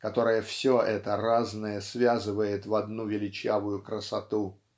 которая все это разное связывает в одну величавую красоту.